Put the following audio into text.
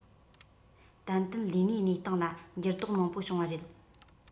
ཏན ཏན ལས གནས གནས སྟངས ལ འགྱུར ལྡོག མང པོ བྱུང བ རེད